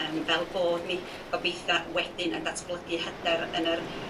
yym fel bod ni gobeithio wedyn yn datblygu hyder yn yr